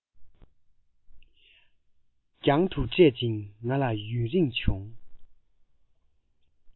རྒྱང དུ བསྐྲད ཅིང ང ལ ཡུན རིང བྱུང